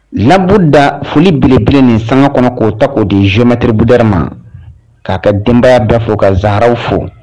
Labuda foli belebele nin sanga kɔnɔ k'o ta k'o di géomètre Budɛri ma k'a ka denbaya bɛ fo ka Zaraw fo